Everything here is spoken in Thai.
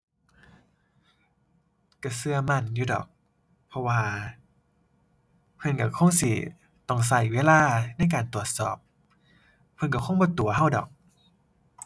ก็ก็มั่นอยู่ดอก เพราะว่าเพิ่นก็คงสิต้องก็เวลาในการตรวจสอบ เพิ่นก็คงบ่ตั๋วก็ดอก